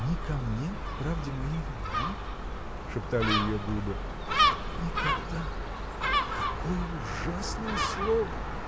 ни ко мне, к правде моей любви? — шептали ее губы. — Никогда! какое ужасное слово!